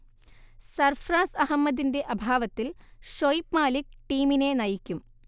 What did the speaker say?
സർഫ്രാസ് അഹമ്മദിന്റെ അഭാവത്തിൽ ഷൊയ്ബ് മാലിക് ടീമിനെ നയിക്കും